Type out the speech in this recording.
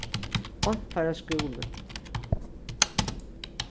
oyndarfjarðar skúli